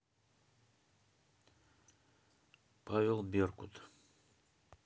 павел беркут